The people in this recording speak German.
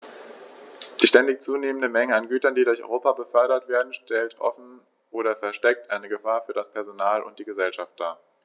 Die ständig zunehmende Menge an Gütern, die durch Europa befördert werden, stellt offen oder versteckt eine Gefahr für das Personal und die Gesellschaft dar.